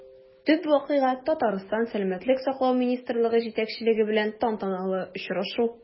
Төп вакыйга – Татарстан сәламәтлек саклау министрлыгы җитәкчелеге белән тантаналы очрашу.